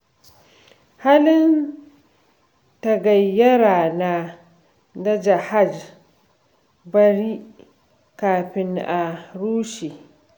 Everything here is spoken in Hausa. Halin tagayyara na "Jahaj Bari" kafin a rushe.